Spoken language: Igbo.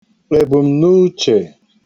èbùmnuchè